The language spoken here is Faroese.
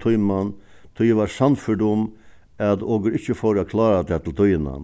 tíman tí eg var sannførd um at okur ikki fóru at klára tað til tíðina